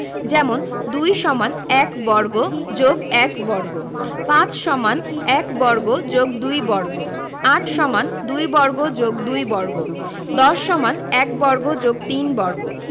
যেমনঃ ২ = ১ বর্গ + ১ বর্গ ৫ = ১ বর্গ + ২ বর্গ ৮ = ২ বর্গ + ২ বর্গ ১০ = ১ বর্গ + ৩ বর্গ